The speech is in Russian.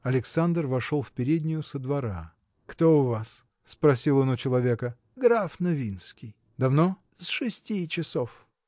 Александр вошел в переднюю со двора. – Кто у вас? – спросил он у человека. – Граф Новинский. – Давно? – С шести часов.